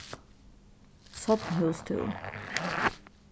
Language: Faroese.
sornhústún